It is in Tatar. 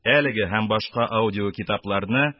Әлеге һәм башка аудиокитапларны